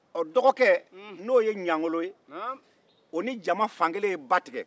ɔ dɔgɔkɛ n'o ɲangolo ye o ni jama fan kelen ye o ni jama fan kelen ye ba tigɛ